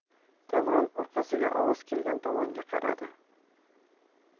davron orqasiga ovoz kelgan tomonga qaradi